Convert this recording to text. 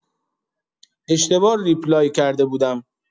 اشتباه ریپلای کرده بودم